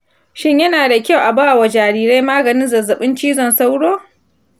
shin yana da kyau a ba wa jarirai maganin zazzabin cizon sauro?